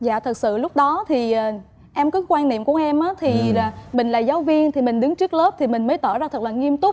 dạ thực sự lúc đó thì em cái quan niệm của em á ừ thì mình là giáo viên thì mình đứng trước lớp thì mình mới tỏ ra thật là nghiêm túc